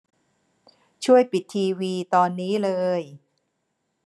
ช่วยปิดทีวีตอนนี้เลย